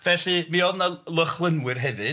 Felly mi oedd 'na ly- lychlynwyr hefyd.